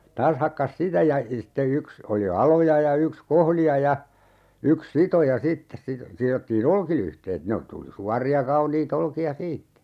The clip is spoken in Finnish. taas hakkasi sitä ja sitten yksi oli aloja ja yksi kohlija ja yksi sitoja sitten - sidottiin olkilyhteet ne - tuli suoria kauniita olkia siitä